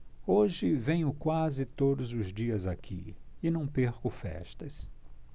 hoje venho quase todos os dias aqui e não perco festas